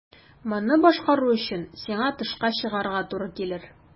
Моны башкару өчен сиңа тышка чыгарга туры килер.